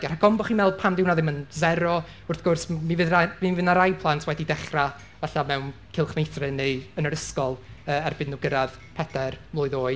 a rhag ofn bod chi'n meddwl pam 'di hwnna ddim yn sero, wrth gwrs mi fydd rai... mi fydd 'na rai plant wedi dechrau falle mewn cylch meithrin neu yn yr ysgol yy erbyn i nhw gyrraedd pedair mlwydd oed.